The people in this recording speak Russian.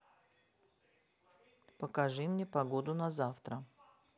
покажи мне погоду на завтра